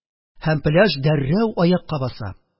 Һәм пляж дәррәү аякка баса.